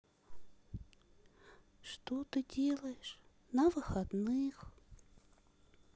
что ты делаешь на выходных